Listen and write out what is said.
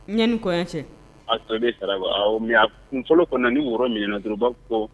Ɲani kɔɲɔ cɛ mais a kunfɔlɔ kɔnɔna ni woro minɛna dɔrɔn u ba fɔ ko